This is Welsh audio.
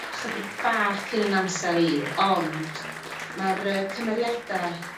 Chydig bach cyn 'yn amser i ond ma'r yy cymeriada